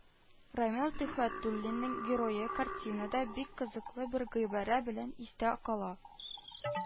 Рамил Төхвәтуллинның герое картинада бик кызыклы бер гыйбарә белән истә кала